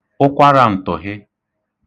ụkwarāǹtụ̀hị